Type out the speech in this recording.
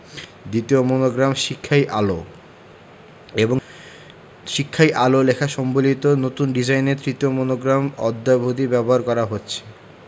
দ্বিতীয় মনোগ্রামে শিক্ষাই আলো ১৯৭২ ৭৩ এবং শিক্ষাই আলো লেখা সম্বলিত নতুন ডিজাইনের তৃতীয় মনোগ্রাম অদ্যাবধি ব্যবহার করা হচ্ছে